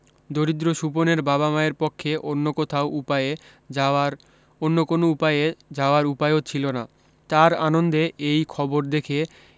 দরিদ্র সুপনের বাবা মায়ের পক্ষে অন্য কোনও উপায়ে যাওয়ার অন্য কোনও উপায়ে যাওয়ার উপায়ও ছিল না স্টার আনন্দে এই খবর দেখে